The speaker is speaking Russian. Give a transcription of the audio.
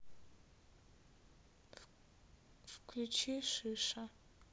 включи шиша